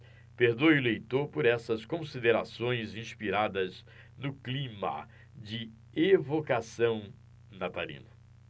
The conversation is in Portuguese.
perdoe o leitor por essas considerações inspiradas no clima de evocação natalino